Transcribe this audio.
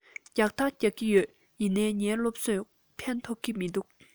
རྒྱག དང རྒྱག གི ཡོད ཡིན ནའི ངའི སློབ གསོས ཕན ཐོགས ཀྱི མི འདུག